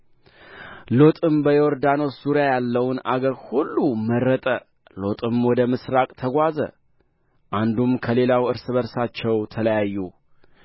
አብራምም በከብት በብርና በወርቅ እጅግ በለጠገ ከአዜብ ባደረገው በጕዞውም ወደ ቤቴል በኩል ሄደ